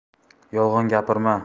yolg'on gapirma